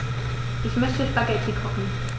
Ich möchte Spaghetti kochen.